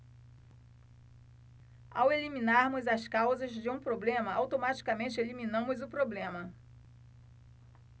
ao eliminarmos as causas de um problema automaticamente eliminamos o problema